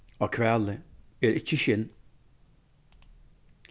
á hvali er ikki skinn